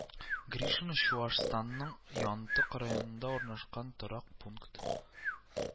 Гришино Чуашстанның Янтык районында урнашкан торак пункт